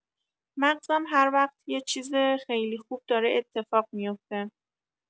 مغزم هر وقت یه چیز خیلی خوب داره اتفاق میوفته